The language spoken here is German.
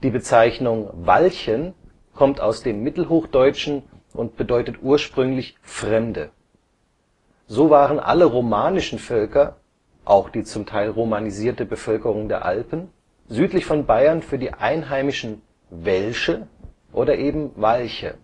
Bezeichnung Walchen kommt aus dem Mittelhochdeutschen und bedeutet ursprünglich „ Fremde “. So waren alle romanischen Völker (auch die z. T. romanisierte Bevölkerung der Alpen) südlich von Bayern für die Einheimischen Welsche oder eben Walche